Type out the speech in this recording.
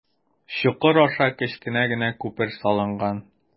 Чокыр аша кечкенә генә күпер салынган.